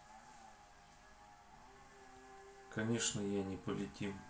конечно я не полетим